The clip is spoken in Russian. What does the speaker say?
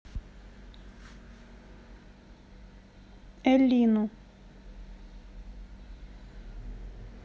эллину